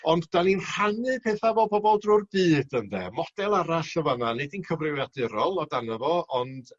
ond 'dan ni'n rhannu petha 'fo pobol drw'r dydd ynde model arall y' fana nid un cyfrifiadurol o dano fo ond